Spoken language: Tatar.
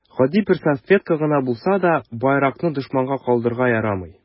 Гади бер салфетка гына булса да, байракны дошманга калдырырга ярамый.